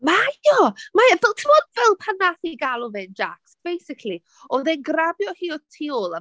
Mae o! Mae o- Fel timod fel pan wnaeth hi galw fe'n Jax, basically, oedd e'n grabio hi o'r tu ôl...